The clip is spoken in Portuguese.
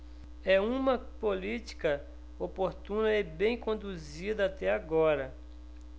é uma política oportuna e bem conduzida até agora